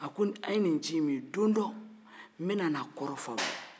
a ye nin jin min don dɔ n bɛna a kɔrɔ fɔ aw ye